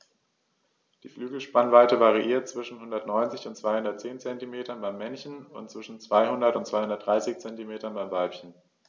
Die Flügelspannweite variiert zwischen 190 und 210 cm beim Männchen und zwischen 200 und 230 cm beim Weibchen.